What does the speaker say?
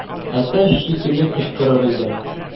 Әтәч шикелле кычкырыр идем.